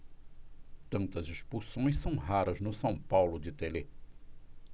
tantas expulsões são raras no são paulo de telê